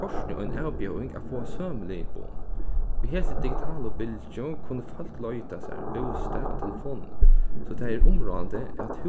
kortini ein avbjóðing at fáa sømilig boð í hesi digitalu bylgju kunnu fólk leita sær bústað á telefonini so tað er umráðandi at